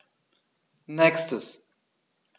Nächstes.